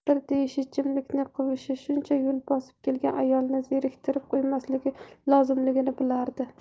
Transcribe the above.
nimadir deyishi jimlikni quvishi shuncha yo'l bosib kelgan ayolni zeriktirib qo'ymasligi lozimligini bilardi